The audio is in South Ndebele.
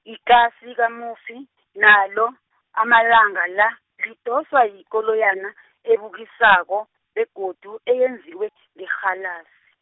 ikasi likamufi, nalo, amalanga la, lidoswa yikoloyana, ebukisako, begodu eyenziwe, ngerhalasi.